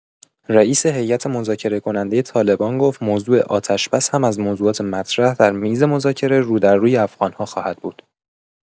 رئیس هیئت مذاکره‌کننده طالبان گفت موضوع آتش‌بس هم از موضوعات مطرح در میز مذاکره رو در روی افغان‌ها خواهد بود.